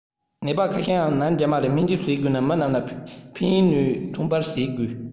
ནད པ ཁ ཤས འམ ནར འགྱངས ལ སྨན བཅོས བྱེད དགོས ཀྱི མི རྣམས ལ ཕན ནུས ཐོན པར བྱེད དགོས